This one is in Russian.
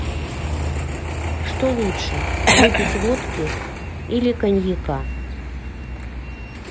что лучше выпить водки или коньяка